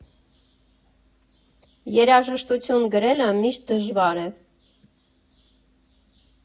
Երաժշտություն գրելը միշտ դժվար է։